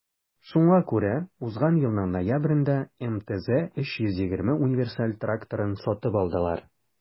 Шуңа күрә узган елның ноябрендә МТЗ 320 универсаль тракторын сатып алдылар.